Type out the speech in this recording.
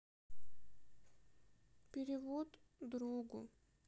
перевод другу